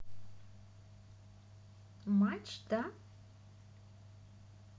матч да